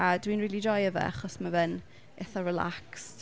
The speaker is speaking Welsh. A dwi'n rili joio fe achos mae fe'n eithaf relaxed.